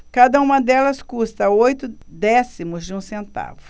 cada uma delas custa oito décimos de um centavo